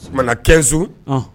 Oumana kɛso